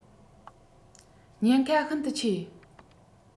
ཉེན ཁ ཤིན ཏུ ཆེ